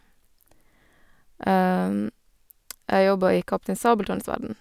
Jeg jobbet i Kaptein Sabeltanns verden.